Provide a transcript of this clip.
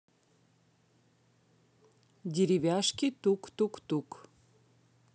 деревяшки тук тук тук